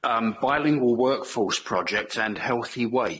um bilingual workforce project and healthy weight.